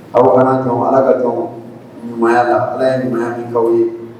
Aw kana dɔn ala kayala ala ye ɲumanyakaw ye